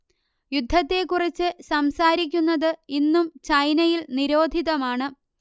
യുദ്ധത്തെക്കുറിച്ച് സംസാരിക്കുന്നത് ഇന്നും ചൈനയിൽ നിരോധിതമാണ്